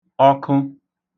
ọkụ